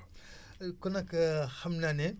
kon nag xam naa ne